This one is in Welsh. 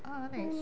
O neis.